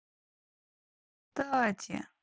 какой стати